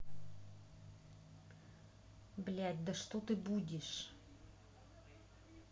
блядь да что ты будешь